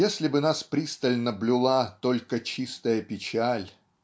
Если бы нас пристально блюла только чистая печаль